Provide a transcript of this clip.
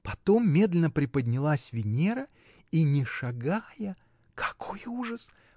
Потом медленно приподнялась Венера — и не шагая. какой ужас!.